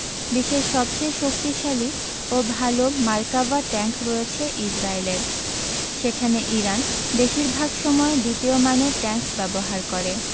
বিশ্বের সবচেয়ে শক্তিশালী ও ভালো মার্কাভা ট্যাংক রয়েছে ইসরায়েলের সেখানে ইরান বেশির ভাগ সময় দ্বিতীয় মানের ট্যাংক ব্যবহার করে